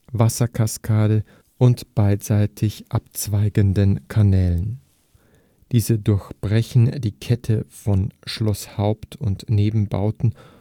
Wasserkaskade und beidseitig abzweigenden Kanälen. Diese durchbrechen die Kette von Schlosshaupt - und - nebenbauten